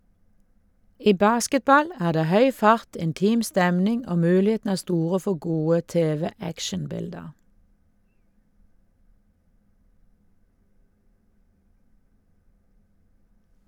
I basketball er det høy fart, intim stemning, og mulighetene er store for gode tv-actionbilder.